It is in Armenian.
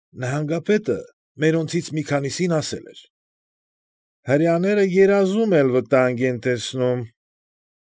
Նահանգապետը մերոնցից մի քանիսին ասել էր. ֊ Հրեաները երազումն էլ վտանգ են տեսնում։